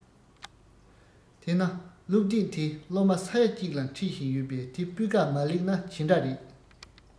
དེ ན སློབ དེབ དེ སློབ མ ས ཡ གཅིག ལ ཁྲིད བཞིན ཡོད པས དེ སྤུས ཀ མ ལེགས ན ཇི འདྲ རེད